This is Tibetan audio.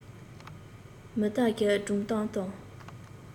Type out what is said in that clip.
མི དག གིས སྒྲུང གཏམ དང